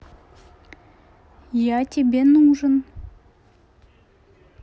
а тебе нужен